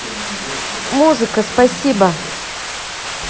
музыка спасибо